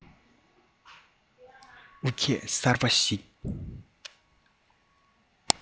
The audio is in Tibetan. དབུ ཁྱུད གསར པ ཞིག